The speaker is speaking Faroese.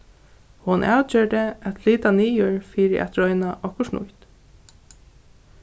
hon avgjørdi at flyta niður fyri at royna okkurt nýtt